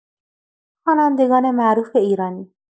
خوانندگان معروف ایرانی